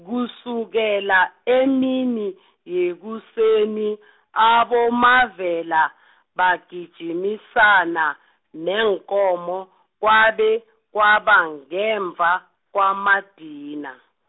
kusukela, emini , yekuseni, aboMavela, bagijimisane, neenkomo, kwabe, kwaba, ngemva, kwamadina.